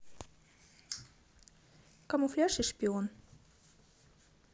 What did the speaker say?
камуфляж и шпион